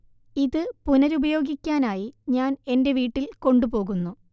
ഇത് പുനരുപയോഗിക്കാനായി ഞാൻ എന്റെ വീട്ടിൽ കൊണ്ട് പോകുന്നു